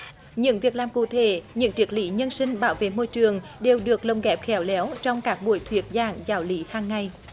những việc làm cụ thể những triết lý nhân sinh bảo vệ môi trường đều được lồng ghép khéo léo trong các buổi thuyết giảng giáo lý hằng ngày